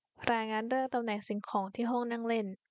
รายงานเรื่องตำแหน่งสิ่งของที่ห้องนั่งเล่น